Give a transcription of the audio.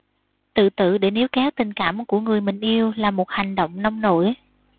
tự tử để níu kéo tình cảm của người mình yêu là một hành động nông nổi